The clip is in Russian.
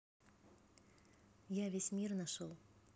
я весь мир нашел